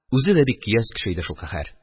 Үзе дә бик көяз кеше иде шул, каһәр.